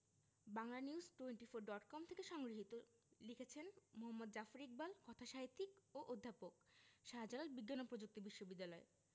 Banglanews twenty four dot com থেকে সংগৃহীত লিখেছেন মুহাম্মদ জাফর ইকবাল কথাসাহিত্যিক ও অধ্যাপক শাহজালাল বিজ্ঞান ও প্রযুক্তি বিশ্ববিদ্যালয়